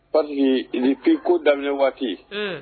Pa i ni' ko daminɛ waati